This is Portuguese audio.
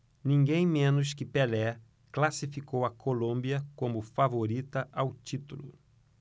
ninguém menos que pelé classificou a colômbia como favorita ao título